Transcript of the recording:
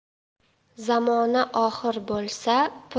zamona oxir bo'lsa